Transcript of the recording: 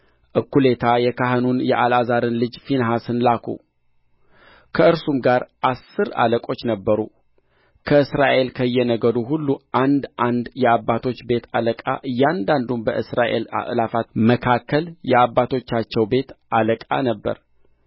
እኩሌታ የካህኑን የአልዓዛርን ልጅ ፊንሐስን ላኩ ከእርሱም ጋር አሥር አለቆች ነበሩ ከእስራኤል ከየነገዱ ሁሉ አንድ አንድ የአባቶች ቤት አለቃ እያንዳንዱም በእስራኤል አእላፋት መካከል የእየአባቶቻቸው ቤት አለቃ ነበረ